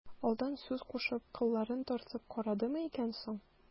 Алдан сүз кушып, кылларын тартып карадымы икән соң...